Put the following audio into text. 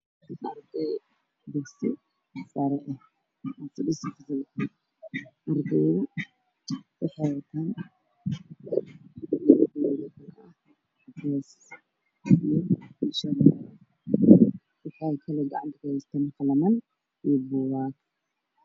Waa iskuul waxaa joogo gabdho cashar ayey qorayaan waxay wataan xijaab caddaan la shirar madow ay qabaan